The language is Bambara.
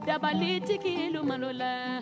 Dabali jigi lu malo la